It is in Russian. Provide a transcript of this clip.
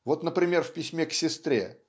Вот, например, в письме к сестре